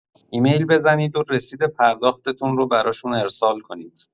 ایمیل بزنید و رسید پرداختتون رو براشون ارسال کنید.